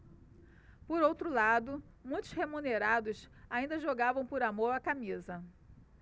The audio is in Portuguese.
por outro lado muitos remunerados ainda jogavam por amor à camisa